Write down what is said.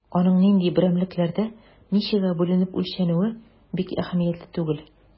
Аның нинди берәмлекләрдә, ничәгә бүленеп үлчәнүе бик әһәмиятле түгел.